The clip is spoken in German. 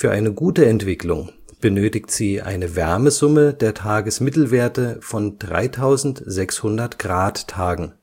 eine gute Entwicklung benötigt sie eine Wärmesumme der Tagesmittelwerte von 3600 Gradtagen